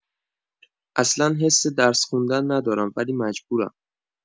اصلا حس درس خوندن ندارم ولی مجبورم